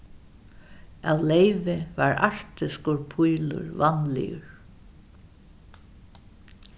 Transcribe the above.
av leyvi var arktiskur pílur vanligur